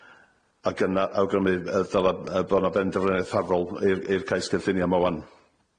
Ac yna awgrymu yy ddyla yy bo' 'na benderfyniad ffafrol i'r i'r cais cynllunio 'ma ŵan.